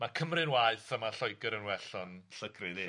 ma' Cymru'n waeth a ma' Lloegr yn well o'n llygru ni...